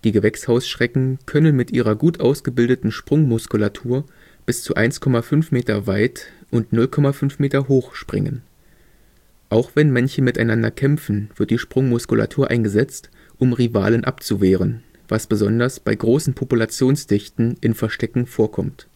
Gewächshausschrecken können mit ihrer gut ausgebildeten Sprungmuskulatur bis zu 1,5 Meter weit und 0,5 Meter hoch springen. Auch wenn Männchen miteinander kämpfen, wird die Sprungmuskulatur eingesetzt, um Rivalen abzuwehren, was besonders bei großen Populationsdichten in Verstecken vorkommt